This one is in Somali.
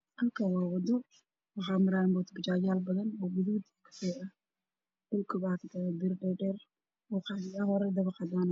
Halkan wa wado waxa marayo mooto bajaj yo badan oo gudud wana dariq dhar hor tisuna qaa dabaq